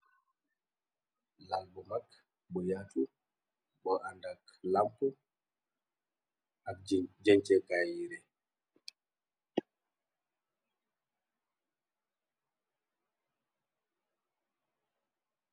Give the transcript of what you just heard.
Lalbu mag bu yaatu bo andak lamp ak jent kayire.